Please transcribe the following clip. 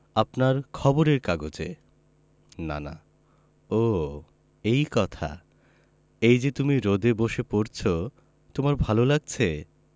আপনার খবরের কাগজে নানা ও এই কথা এই যে তুমি রোদে বসে পড়ছ তোমার ভালো লাগছে